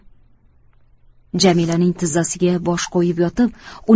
jamilaning tizzasiga bosh qo'yib yotib